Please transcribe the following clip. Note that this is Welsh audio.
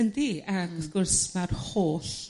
Yndi a wrth gwrs ma'r holl